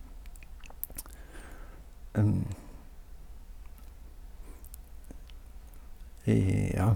Ja.